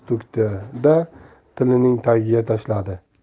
to'kdi da tilining tagiga tashladi